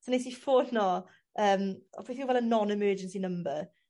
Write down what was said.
So nes i ffono yym beth yw fel y non-emergency number?